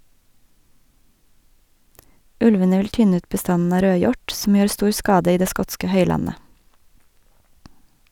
Ulvene vil tynne ut bestanden av rødhjort, som gjør stor skade i det skotske høylandet.